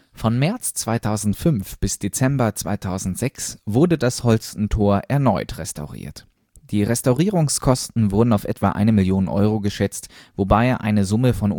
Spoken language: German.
Von März 2005 bis Dezember 2006 wurde das Holstentor erneut restauriert. Die Restaurierungskosten wurden auf etwa eine Million Euro geschätzt, wobei eine Summe von